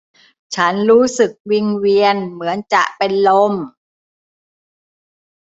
ฉันรู้สึกวิงเวียนเหมือนจะเป็นลม